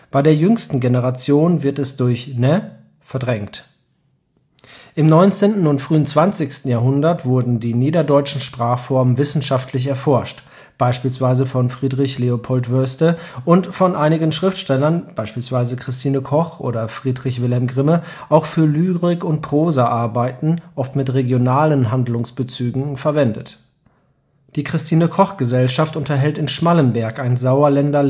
Bei der jüngsten Generation wird es durch „ ne? “verdrängt. Im 19. und frühen 20. Jahrhundert wurden die niederdeutschen Sprachformen wissenschaftlich erforscht (beispielsweise Friedrich Leopold Woeste) und von einigen Schriftstellern (beispielsweise Christine Koch, Friedrich Wilhelm Grimme) auch für Lyrik - und Prosaarbeiten, oft mit regionalen Handlungsbezügen, verwendet. Die Christine-Koch-Gesellschaft unterhält in Schmallenberg ein Sauerländer Literaturarchiv